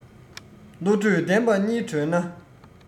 བློ གྲོས ལྡན པ གཉིས བགྲོས ན